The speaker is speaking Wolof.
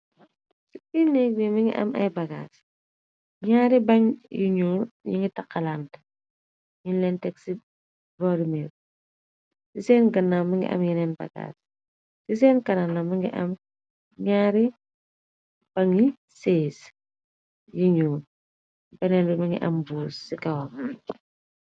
Ci bir négg bi mi ngi am ay bagaas ñaari ban yi ñuur yi ngi taxxalant ñiñ leen teg ci vorumir ci seen ganna mi ngi am yeneen bagaas ci seen kana na mi ngi am ñaari bangi sées yi ñuu beneen bi mi ngi am buus ci kawam.